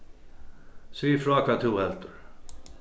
sig frá hvat tú heldur